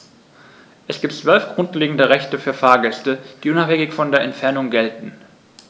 Es gibt 12 grundlegende Rechte für Fahrgäste, die unabhängig von der Entfernung gelten.